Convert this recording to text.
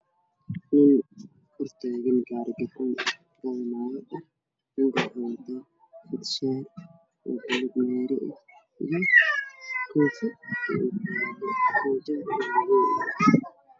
Meeshan waa ma laami ah dhulku waa madow maxaa taagan niman mid qamadii wata